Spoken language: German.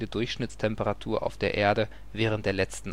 Durchschnittstemperatur auf der Erde während der letzten